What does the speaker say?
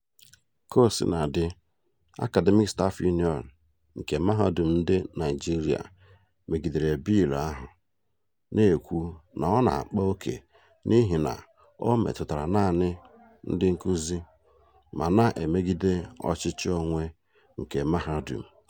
Kaosinadị, Academic Staff Union nke Mahadum ndị Naịjirịa megidere bịịlụ ahụ, na-ekwu na ọ na-akpa ókè n'ihi na o metụtara naanị ndị nkuzi ma na-emegide ọchịchị onwe nke mahadum.